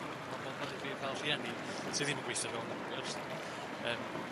i bobol i fi fel rhieni sydd ddim yn gweithio fewn yr